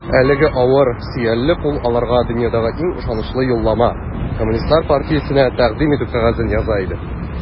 Әлеге авыр, сөялле кул аларга дөньядагы иң ышанычлы юллама - Коммунистлар партиясенә тәкъдим итү кәгазен яза иде.